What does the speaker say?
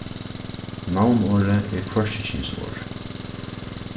navnorðið er hvørkikynsorð